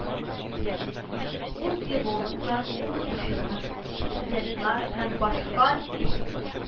Ул филологлар, укытучылар, студентлар һәм башка бик